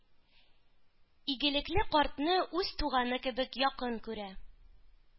Игелекле картны үз туганы кебек якын күрә,